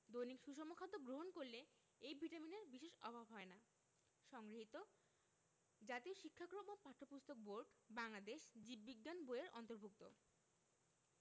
দৈনিক সুষম খাদ্য গ্রহণ করলে এই ভিটামিনের বিশেষ অভাব হয় না সংগৃহীত জাতীয় শিক্ষাক্রম ও পাঠ্যপুস্তক বোর্ড বাংলাদেশ জীব বিজ্ঞান বই এর অন্তর্ভুক্ত